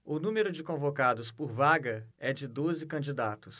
o número de convocados por vaga é de doze candidatos